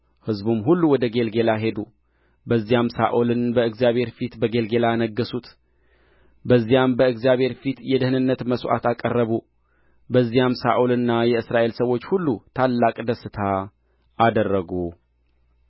ሕዝቡም ሁሉ ወደ ጌልገላ ሄዱ በዚያም ሳኦልን በእግዚአብሔር ፊት በጌልገላ አነገሡት በዚያም በእግዚአብሔር ፊት የደኅንነት መሥዋዕት አቀረቡ በዚያም ሳኦልና የእስራኤል ሰዎች ሁሉ ታላቅ ደስታ አደረጉ